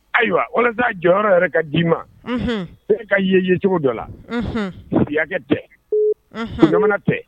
Ayiwa walima' jɔyɔrɔyɔrɔ yɛrɛ ka d'i ma e ka ye yecogo dɔ la sikɛ tɛ jmana tɛ